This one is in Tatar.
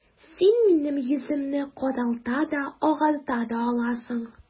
Син минем йөземне каралта да, агарта да аласың...